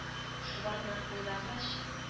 Шуларны уйлагач